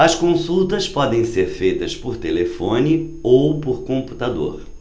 as consultas podem ser feitas por telefone ou por computador